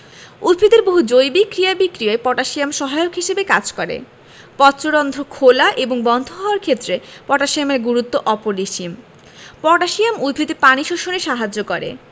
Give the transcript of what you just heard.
উদ্ভিদের বহু জৈবিক ক্রিয়া বিক্রিয়ায় পটাশিয়াম সহায়ক হিসেবে কাজ করে পত্ররন্ধ্র খেলা এবং বন্ধ হওয়ার ক্ষেত্রে পটাশিয়ামের গুরুত্ব অপরিসীম পটাশিয়াম উদ্ভিদে পানি শোষণে সাহায্য করে